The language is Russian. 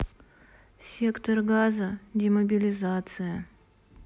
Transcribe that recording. сектор газа демобилизация